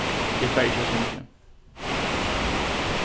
eg fari ikki at syngja